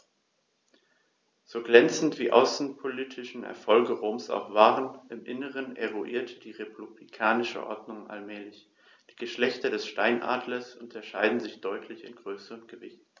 So glänzend die außenpolitischen Erfolge Roms auch waren: Im Inneren erodierte die republikanische Ordnung allmählich. Die Geschlechter des Steinadlers unterscheiden sich deutlich in Größe und Gewicht.